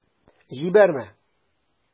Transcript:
Җибәрмә...